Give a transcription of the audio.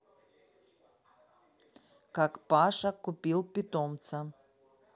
как паша купил питомца